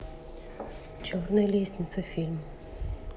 черная лестница фильм